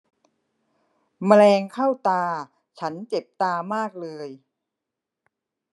แมลงเข้าตาฉันเจ็บตามากเลย